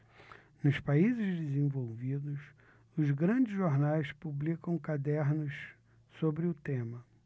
nos países desenvolvidos os grandes jornais publicam cadernos sobre o tema